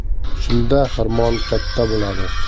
shunda xirmon katta bo'ladi